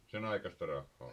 sen aikaista rahaa